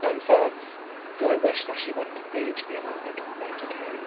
mewn ffordd, do I wish that she went to Paige being like, right ok...